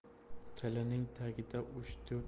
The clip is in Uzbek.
tilining tagiga uch